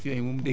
sonjaan